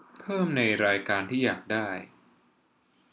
เพิ่มในรายการที่อยากได้